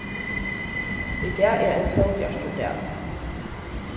í dag er ein sólbjartur dagur